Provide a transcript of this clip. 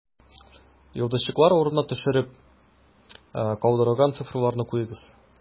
Йолдызчыклар урынына төшереп калдырылган цифрларны куегыз: